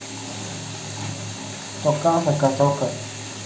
toccata катока